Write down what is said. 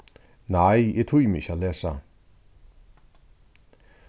nei eg tími ikki at lesa